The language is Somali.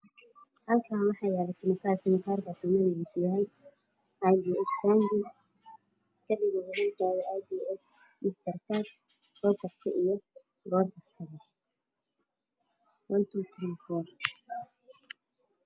Halkaan waxaa yaala simikaar simkaarkaas magaciisu yahay aybiies taangi xiliga wareega mastar taangi markasta iyo goor kasta 1234